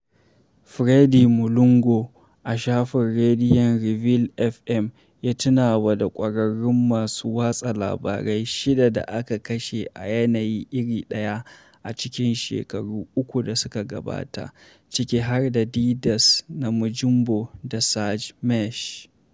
Freddy Mulongo [Fr] a shafin rediyon Revéil FM, ya tunawa da ƙwararrun masu watsa labarai shida da aka kashe a yanayi iri ɗaya a cikin shekaru uku da suka gabata, ciki har da Didace Namujimbo da Serge Maheshe.